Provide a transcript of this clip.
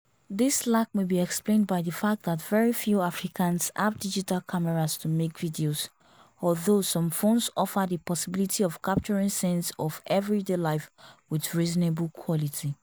This lack may be explained by the fact that very few Africans have digital cameras to make videos, although some phones offer the possibility of capturing scenes of everyday life with reasonable quality.